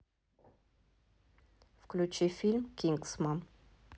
включи фильм кингсман